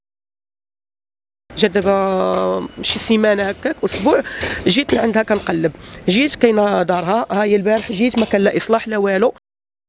جده اسبوع جيت لعندك القلب جيتك يا دار هاي البارحه جيت مكان لا يصلح له وينه